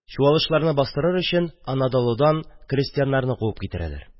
Чуалышларны бастырыр өчен Анадолудан крестьяннарны куып китерәләр.